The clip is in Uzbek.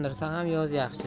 yondirsa ham yoz yaxshi